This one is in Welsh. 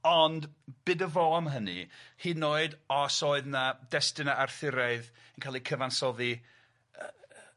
Ond be' edo fo am hynny hyd yn oed os oedd 'na destuna Arthuriaidd yn ca'l eu cyfansoddi yy yy